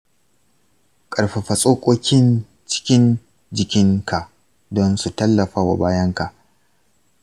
ƙarfafa tsokokin cikin jikin ka don su tallafa wa bayan ka.